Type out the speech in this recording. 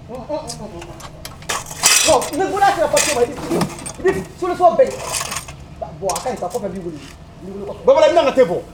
Ka tɛ bɔ